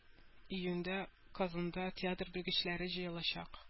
Июньдә Казанда театр белгечләре җыелачак